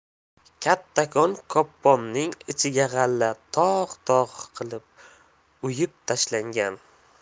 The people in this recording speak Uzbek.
kattakon kopponning ichiga g'alla tog' tog' qilib uyib tashlangan